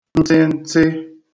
ntịntị